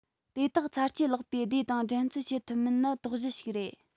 དེ དག འཚར སྐྱེ ལེགས པའི སྡེ དང འགྲན རྩོད བྱེད ཐུབ མིན ནི དོགས གཞི ཞིག རེད